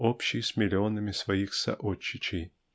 общей с миллионами своих соотчичей.